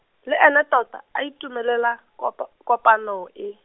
le ene tota, a itumelela, kopa kopano e.